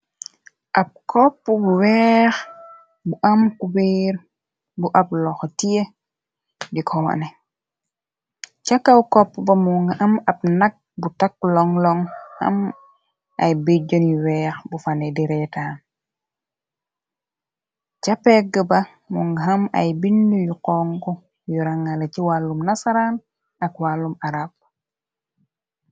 Ab kopp bu weex bu am kubeer bu ab lox tie. Di kowane cakaw kopp ba mo nga am ab nag bu tak long loŋ am ay bij joni weex bu fane direetaan.Ca pegg ba mu nga xam ay bind yu xong yu rangala. Ci wàllum nasaraan ak wàllum arab.